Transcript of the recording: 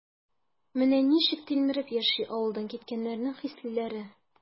Менә ничек тилмереп яши авылдан киткәннәрнең хислеләре?